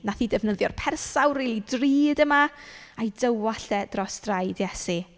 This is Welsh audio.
Wnaeth hi ddefnyddio'r persawr rili drud yma, a'i dywallt e dros draed Iesu.